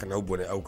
Ka n'aw bɔnnɛ aw k